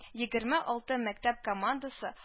Егерме алты мәктәп командасы